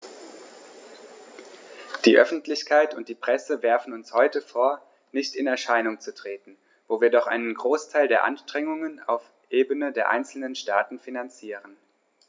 Die Öffentlichkeit und die Presse werfen uns heute vor, nicht in Erscheinung zu treten, wo wir doch einen Großteil der Anstrengungen auf Ebene der einzelnen Staaten finanzieren.